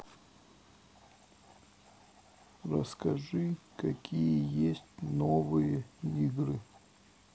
расскажи какие есть новые игры